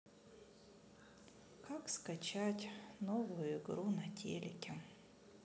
как скачать новую игру на телеке